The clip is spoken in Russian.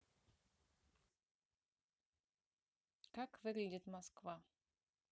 как выглядит москва